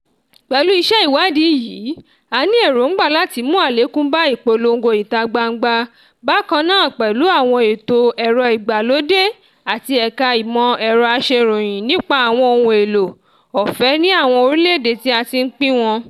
Pẹ̀lú iṣẹ́ ìwádìí yìí, a ní èròngbà láti mú àlékún bá ìpolongo itagbangba bákàn náà pẹ̀lú àwọn ẹ̀tọ́ ẹ̀rọ-ìgbàlódé àti Ẹ̀ka Ìmọ̀ Ẹ̀rọ Aṣèròyìn nípa àwọn ohun èlò Ọ̀fẹ́ ní àwọn orílẹ̀-èdè tí a ti pín wọn.